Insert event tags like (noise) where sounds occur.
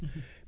(hesitation) (hesitation)